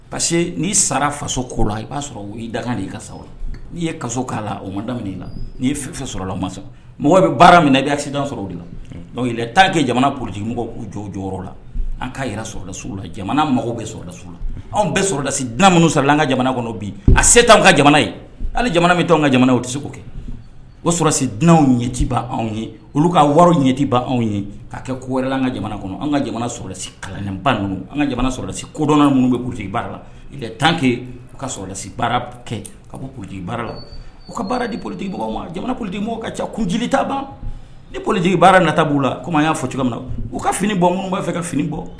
Parce que n'i sara faso ko la i b'a sɔrɔ i dakan de i ka sɔrɔ n'i ye ka k'a la o mada i la n'ifɛ sɔrɔ ma sɔn mɔgɔ bɛ baara min nasida sɔrɔ o de la tan kɛ jamana politi mɔgɔ' jɔ jɔyɔrɔ la an k kaa jira sɔrɔladasiw la jamana mɔgɔw bɛ sɔda la anw bɛ sɔrɔdasi dunan minnu sɔrɔ an ka jamana kɔnɔ bi a se tan ka jamana ye hali jamana min anw ka jamana o tɛ se kɛ o sɔrɔsi dunananw ɲɛti ban anw ye olu ka wari ɲɛti ban anw ye ka kɛ ko wɛrɛ an ka jamana kɔnɔ an ka jamana sɔrɔlalasi kalanlaninba ninnu an ka jamana sɔrɔlasi kodɔnan bɛ'tigi baara la ka tanke ka sɔrɔlasi baara kɛ ka bɔ koji baara la u ka baara diolitigi bɔ ma jamana kolodi bɔ ka ca kunji ta ban ni poliji baara nata' u la komi y'a fɔ cogo min na u ka fini bɔ minnu b'a fɛ ka fini bɔ